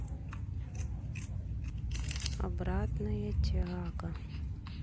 обратная тяга